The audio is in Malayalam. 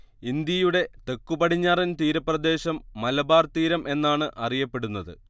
ഇന്ത്യയുടെ തെക്കുപടിഞ്ഞാറൻ തീരപ്രദേശം മലബാർ തീരം എന്നാണ് അറിയപ്പെടുന്നത്